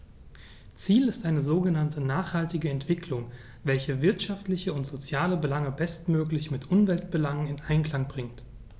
Ziel ist eine sogenannte nachhaltige Entwicklung, welche wirtschaftliche und soziale Belange bestmöglich mit Umweltbelangen in Einklang bringt.